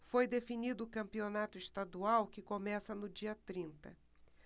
foi definido o campeonato estadual que começa no dia trinta